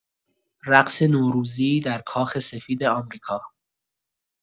رقص نوروزی در کاخ سفید آمریکا